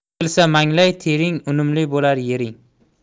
to'kilsa manglay tering unumli bo'lar yering